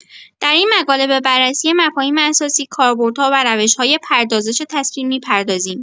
در این مقاله به بررسی مفاهیم اساسی، کاربردها و روش‌های پردازش تصویر می‌پردازیم.